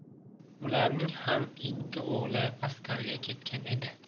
ularning ham ikki o'g'li askarga ketgan edi